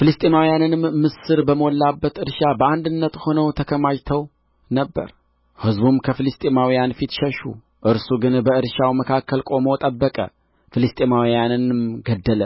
ፍልስጥኤማውያንም ምስር በሞላበት እርሻ በአንድነት ሆነው ተከማችተው ነበር ሕዝቡም ከፍልስጥኤማውያን ፊት ሸሹ እርሱ ግን በእርሻው መካከል ቆሞ ጠበቀ ፍልስጥኤማውያንንም ገደለ